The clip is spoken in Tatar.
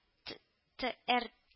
Т ТР